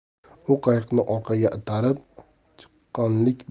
u qayiqni orqaga itarib chaqqonlik